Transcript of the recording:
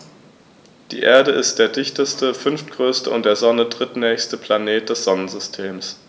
Die Erde ist der dichteste, fünftgrößte und der Sonne drittnächste Planet des Sonnensystems.